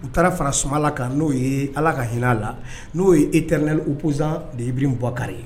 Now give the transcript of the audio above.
U taara fara Sumala kan n'o ye allah ka hinɛ a la, n'o ye eternel opposant de Ibrim Bouakar